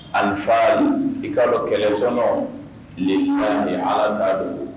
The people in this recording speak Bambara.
Afa i ka kɛlɛsɔn le ni ala'a dogo